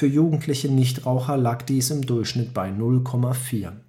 jugendliche Nichtraucher lag dies im Durchschnitt bei 0,4